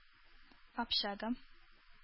Общага